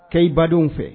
Kɛ i badenw fɛ